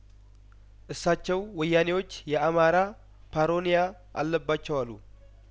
እሳቸው ወያኔዎች የአማራ ፓሮኒያአለባቸው አሉ